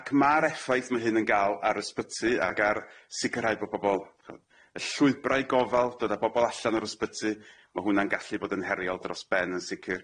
Ac ma'r effaith ma' hyn yn ga'l ar ysbyty ag ar sicirhau bo' pobol, y llwybrau gofal dod a bobol allan yr ysbyty ma' hwnna'n gallu bod yn heriol dros ben yn sicir.